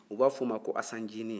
u b'a f'o ma ko asan ncinin